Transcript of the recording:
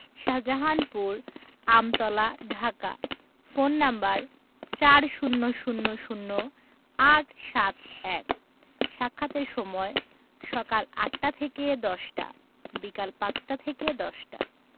Shahjahanpur Amtala Dhaka phone number ৪০০০৮৭১ সাক্ষাতের সময়ঃসকাল ৮টা থেকে ১০টা - বিকাল ৫টা থেকে ১০টা